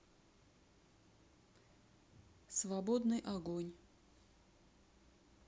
свободный огонь